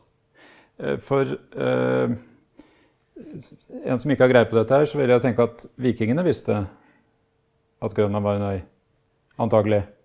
for en som ikke har greie på dette her så vil jeg jo tenke at vikingene visste det at Grønland var en øy antagelig.